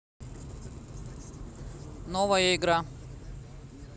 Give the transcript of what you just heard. новая игра